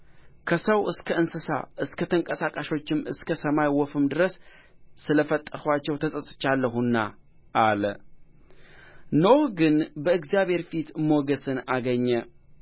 ከሰው እስከ እንስሳ እስከ ተንቀሳቃሽም እስከ ሰማይ ወፍም ድረስ ስለ ፈጠርኋቸው ተጸጽቼአለሁና አለ ኖኅ ግን በእግዚአብሔር ፊት ሞገስን አገኘ